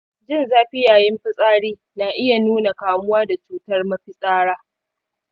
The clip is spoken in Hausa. jin zafi yayin fitsari na iya nuna kamuwa da cutar mafitsara